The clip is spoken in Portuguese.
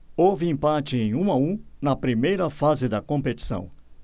houve empate em um a um na primeira fase da competição